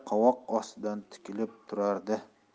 qovoq ostidan tikilib o'tardi